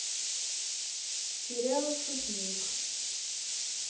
сериал шутник